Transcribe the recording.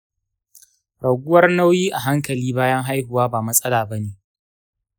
raguwar nauyi a hankali bayan haihuwa ba matsala bane.